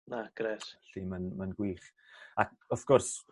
Na grêt. Felly ma'n ma'n gwych ac wrth gwrs